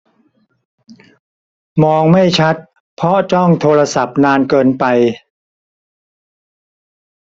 มองไม่ชัดเพราะจ้องโทรศัพท์นานเกินไป